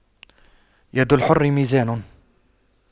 يد الحر ميزان